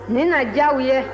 nin na diya u ye